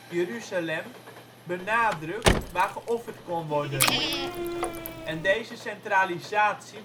Jeruzalem) benadrukt, waar geofferd kon worden. En deze centralisatie